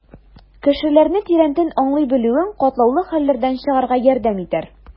Кешеләрне тирәнтен аңлый белүең катлаулы хәлләрдән чыгарга ярдәм итәр.